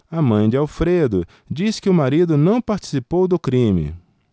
a mãe de alfredo diz que o marido não participou do crime